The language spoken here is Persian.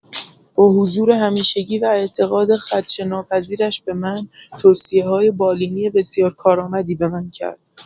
با حضور همیشگی و اعتقاد خدشه‌ناپذیرش به من، توصیه‌های بالینی بسیار کارآمدی به من کرد.